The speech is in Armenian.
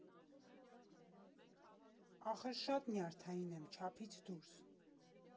Ախր, շատ նյարդային եմ՝ չափից դուրս։